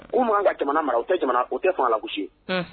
U mankan kan ka jamana mara u jamana o tɛ fanala ku